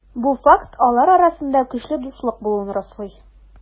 Бу факт алар арасында көчле дуслык булуын раслый.